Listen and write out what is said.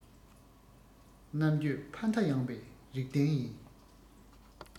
རྣམ དཔྱོད ཕ མཐའ ཡངས པའི རིག ལྡན ཡིན